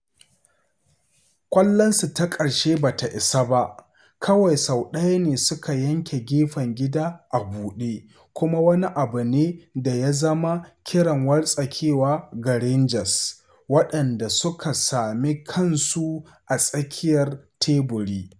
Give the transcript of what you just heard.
Ƙwallonsu ta ƙarshe ba ta isa ba - kawai sau ɗaya ne suka yanke gefen gidan a buɗe - kuma wani abu ne da ya zama kiran wartsakarwar ga Rangers, waɗanda suka sami kansu a tsakiyar teburi.